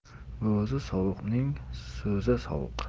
o'zi sovuqning so'zi sovuq